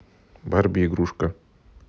барби игрушка